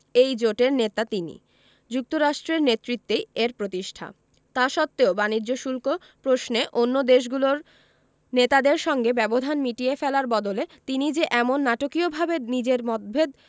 এই জোটের নেতা তিনি যুক্তরাষ্ট্রের নেতৃত্বেই এর প্রতিষ্ঠা তা সত্ত্বেও বাণিজ্য শুল্ক প্রশ্নে অন্য দেশগুলোর নেতাদের সঙ্গে ব্যবধান মিটিয়ে ফেলার বদলে তিনি যে এমন নাটকীয়ভাবে নিজের মতভেদ